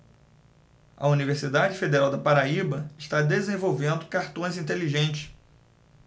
a universidade federal da paraíba está desenvolvendo cartões inteligentes